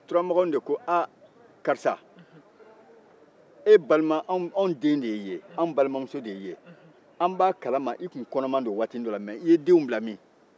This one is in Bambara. turamakanw de ko a ma a karisa anw den de y'i ye anw balimamuso de y'i ye an b'a kalama i tun kɔnɔma don waati dɔ i ye denw bila min